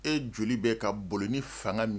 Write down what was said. E joli bɛ ka boli ni fanga nin